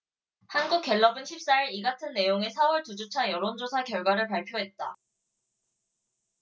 한국갤럽은 십 사 일 이같은 내용의 사 월 두 주차 여론조사 결과를 발표했다